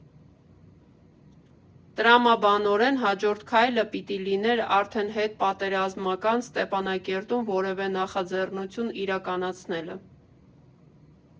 Տրամաբանորեն հաջորդ քայլը պիտի լիներ արդեն հետպատերազմական Ստեփանակերտում որևէ նախաձեռնություն իրականացնելը։